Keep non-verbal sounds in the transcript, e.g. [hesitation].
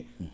[hesitation] [hesitation]